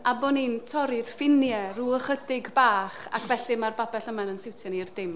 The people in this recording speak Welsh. A bod ni'n torri'r ffiniau ryw ychydig bach ac felly mae'r babell yma ein siwtio ni i'r dim.